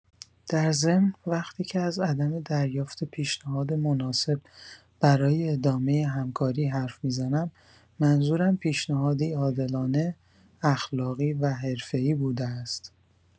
در ضمن وقتی که از عدم دریافت پیشنهاد مناسب برای ادامه همکاری حرف می‌زنم منظورم پیشنهادی عادلانه، اخلاقی و حرفه ایی بوده است.